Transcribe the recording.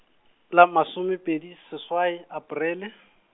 la masomepedi seswai Aparele.